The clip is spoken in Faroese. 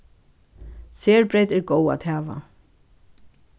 serbreyt er góð at hava